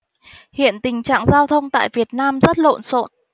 hiện tình trạng giao thông tại việt nam rất lộn xộn